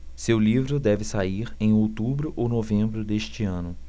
seu livro deve sair em outubro ou novembro deste ano